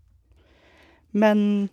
Men...